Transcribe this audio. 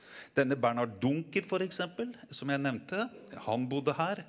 denne Bernhard Dunker f.eks. som jeg nevnte han bodde her.